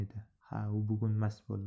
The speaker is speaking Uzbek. ha u bugun mast bo'ldi